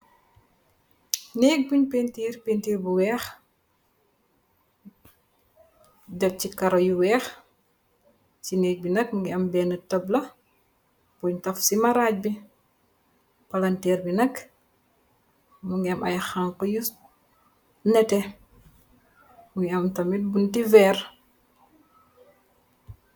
Néeg buñ pintiir pintiir bu weex, def ci karo yu weex, ci néeg bi nak mingi am benne tabla buñ taf ci maraaj bi, palanteer bi nak mu ngi am ay xanxa yu nete, muy am tamit bunti veer.